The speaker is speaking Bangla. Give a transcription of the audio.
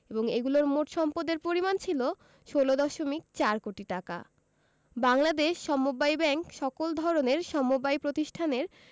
এবং এগুলোর মোট সম্পদের পরিমাণ ছিল ১৬দশমিক ৪ কোটি টাকা বাংলাদেশ সমবায় ব্যাংক সকল ধরনের সমবায় প্রতিষ্ঠানের